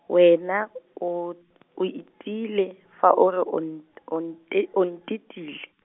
wena, o, o itiile, fa o re o nt- o nte o ntetile.